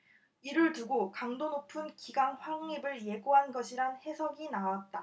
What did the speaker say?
이를 두고 강도 높은 기강 확립을 예고한 것이란 해석이 나왔다